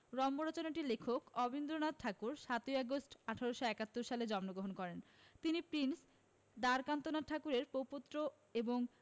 রম্যরচনাটির লেখক অবনীন্দ্রনাথ ঠাকুর ৭ আগস্ট ১৮৭১ সালে জন্মগ্রহণ করেন তিনি প্রিন্স দ্বারকান্ত ঠাকুরের প্রপৌত্র এবং